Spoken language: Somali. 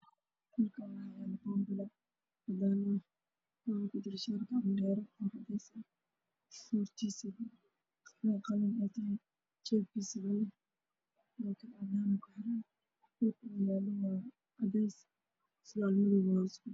Bishaan waxaa saar gidigidi isku jira ah jeebkiisa waa baluug waxaa hoostiisa ayaa la sugaal madowaa meel uu saaran yahayna waa meel caddaan ah